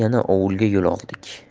ovulga yo'l oldik